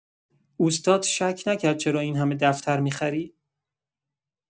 اوستات شک نکرد چرا این‌همه دفتر می‌خری؟